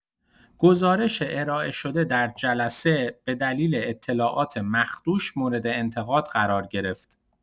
گزارش ارائه شده در جلسه به دلیل اطلاعات مخدوش مورد انتقاد قرار گرفت.